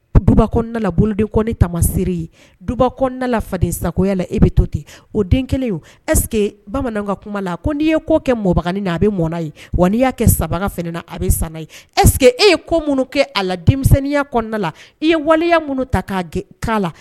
Duk bolodenk tama se ye dukla faden sagoya la e bɛ to ten o den kelen esseke bamanankan kuma la n'i ye ko kɛ mɔgɔ na a bɛ mɔn ye wa n'i y'a kɛ saba na a bɛ san ye eseke e ye ko minnu kɛ a la denmisɛnninya kɔnɔna la i ye waleya minnu ta k'a k kaana la